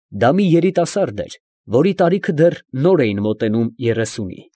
Դա մի երիտասարդ էր, որի տարիքը դեռ նոր էին մոտենում երեսունի։